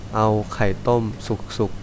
เอาไข่ต้มสุกสุก